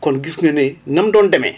kon gis nga ne na mu doon demee